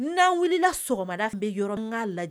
N'an wulilala sɔgɔmada tun bɛ yɔrɔkan lajɛ